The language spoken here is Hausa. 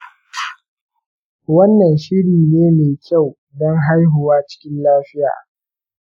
wannan shiri ne mai kyau dan haihuwa cikin lafiya.